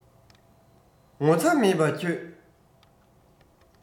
ངོ ཚ མེད པ ཁྱོད